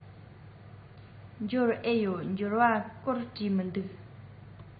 འབྱོར ཨེ ཡོད འབྱོར བའི སྐོར བྲིས མི འདུག